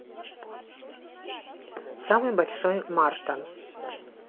самый большой мартон